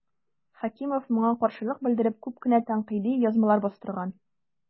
Хәкимов моңа каршылык белдереп күп кенә тәнкыйди язмалар бастырган.